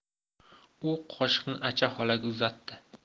u qoshiqni acha xolaga uzatdi